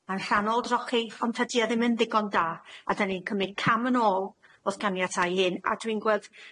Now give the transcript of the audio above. Ma'n rhannol drochi, ond tydi e ddim yn ddigon da, a 'dan ni'n cymyd cam yn ôl w'th ganiatâu i hyn, a dwi'n gweld